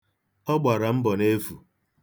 Ọ gbara mbọ n'efu.